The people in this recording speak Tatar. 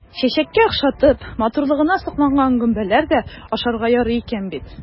Чәчәккә охшатып, матурлыгына сокланган гөмбәләр дә ашарга ярый икән бит!